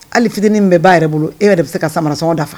Hali fitini bɛn b'a yɛrɛ bolo e yɛrɛ de bɛ se ka sama sɔngɔ dafa